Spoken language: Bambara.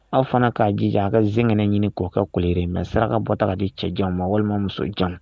Aw fana k'a ji a ka zkɛnɛrɛn ɲini k kɔkɛ koere mɛ saraka bɔta di cɛ jan ma walima muso jan